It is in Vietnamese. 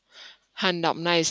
hành động này